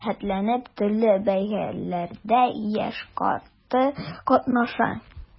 Рәхәтләнеп төрле бәйгеләрдә яше-карты катнаша.